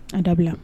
A dabila